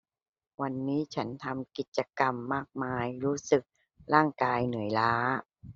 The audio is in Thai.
วันนี้ฉันทำกิจกรรมมากมายรู้สึกร่างกายเหนื่อยล้า